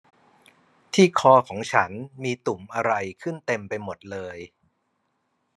ที่คอของฉันมีตุ่มอะไรขึ้นเต็มไปหมดเลย